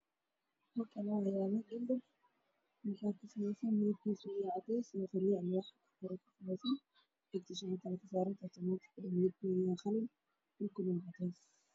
Halkaan waxaa ka muuqdo gambar jaalo ah waxa uuna leeyahay afar lugood